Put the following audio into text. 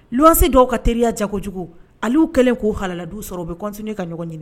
Luwanse dɔw ka teriya diya kojugu ale kɛlen k'o hala du sɔrɔ bɛsɔn ka ɲɔgɔn ɲini